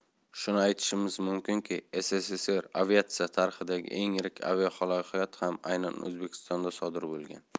shuni aytishimiz mumkinki sssr aviatsiyasi tarixidagi eng yirik aviahalokat ham aynan o'zbekistonda sodir bo'lgan